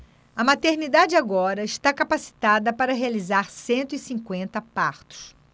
a maternidade agora está capacitada para realizar cento e cinquenta partos